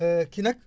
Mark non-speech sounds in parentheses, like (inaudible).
(hesitation) kii nag